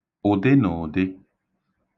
ụ̀dịnụ̀ụ̀dị̄